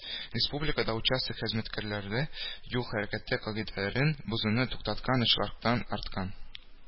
Республикада участок хезмәткәрләре юл хәрәкәте кагыйдәләрен бозуны туктаткан очраклар арткан